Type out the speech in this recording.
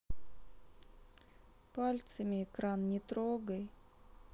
пальцами экран не трогай